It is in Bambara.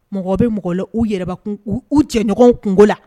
Mɔgɔ bɛ mɔgɔla u yɛrɛ kun u cɛɲɔgɔnw kunko la